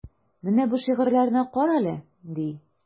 Менә бу шигырьләрне карале, ди.